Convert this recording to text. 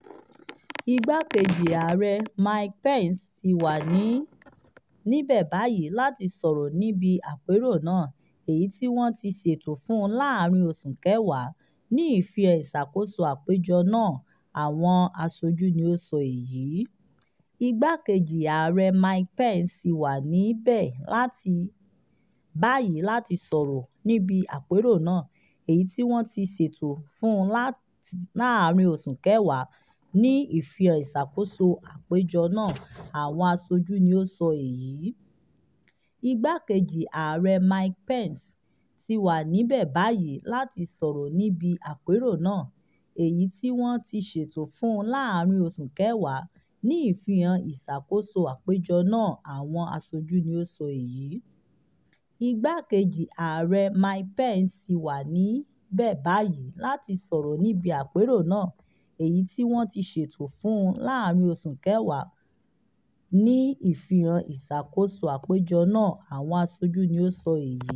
Igbákejì Ààrè Mike Pence ti wà ní níbẹ̀ bàyíì láti sọ̀rọ̀ níbi àpérò náà, èyí tí wọ́n ti ṣètò fún láàrín oṣù Kẹwàá, ní ìfihàn ìṣàkóso àpéjo náà, àwọn aṣojú ni ó sọ èyí.